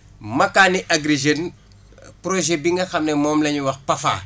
makkaani Agri Jeunes projet bi nga xam ne moom la ñu wax PAFA